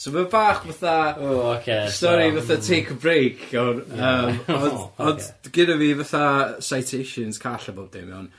So ma'n bach fatha... O ocê so hmm. ...stori fatha take a break iawn yym ond ond gynna fi fatha citations call a bob dim iawn.